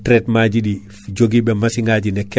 eyyi Aprostar non ko produit mo ganduɗa